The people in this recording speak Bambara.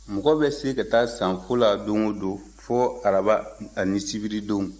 mɔgɔ bɛ se ka taa sangafo la don o don fo araba ani sibiridon